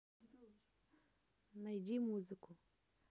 найди музыку